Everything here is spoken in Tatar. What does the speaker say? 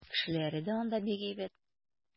Кешеләре дә анда бик әйбәт.